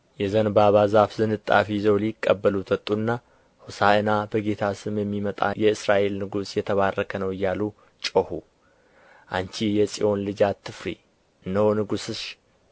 የዘንባባ ዛፍ ዝንጣፊ ይዘው ሊቀበሉት ወጡና ሆሣዕና በጌታ ስም የሚመጣ የእስራኤል ንጉሥ የተባረከ ነው እያሉ ጮኹ አንቺ የጽዮን ልጅ አትፍሪ እነሆ ንጉሥሽ